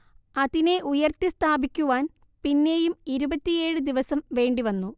അതിനെ ഉയർത്തി സ്ഥാപിക്കുവാൻ പിന്നെയും ഇരുപത്തിയേഴ് ദിവസം വേണ്ടിവന്നു